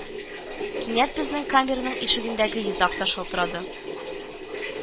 Кинәт безнең камерның ишегендәге йозак та шалтырады